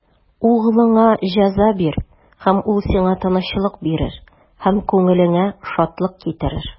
Углыңа җәза бир, һәм ул сиңа тынычлык бирер, һәм күңелеңә шатлык китерер.